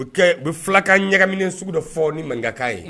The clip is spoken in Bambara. Be kɛɛ u be fulakan ɲagaminɛ sugu dɔ fɔ ni maninkakan ye